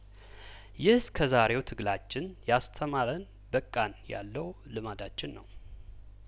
ይህ እስከዛሬው ትግላችን ያስተማረን በቃን ያልነው ልምዳችን ነው